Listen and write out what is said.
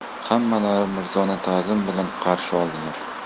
hammalari mirzoni tazim bilan qarshi oldilar